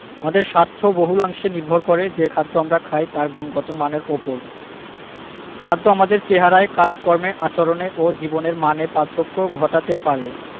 আমাদের স্বাস্থ্য বহুলাংশে নির্ভর করে যে খাদ্য আমরা খাই তার গুণগত মানের ওপর খাদ্য আমাদের চেহারায় কাজকর্মে আচরণে ও জীবনের মানে পার্থক্য ঘটাতে পারে